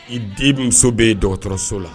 I den muso bɛ dɔgɔtɔrɔso la